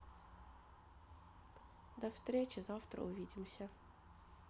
до встречи завтра увидимся